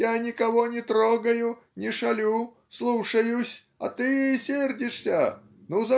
Я никого не трогаю, не шалю, слушаюсь, а ты. сердишься! Ну